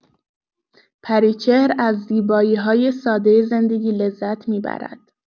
پریچهر از زیبایی‌های ساده زندگی لذت می‌برد.